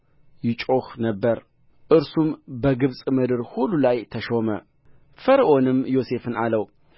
ይጮኽ ነበር እርሱም በግብፅ ምድር ሁሉ ላይ ተሾመ ፈርዖንም ዮሴፍን አለው